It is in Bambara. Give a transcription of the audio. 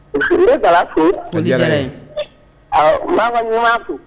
N be Bala fo foli diyar'a ye awɔ n b'an ŋa ɲɛmaa fo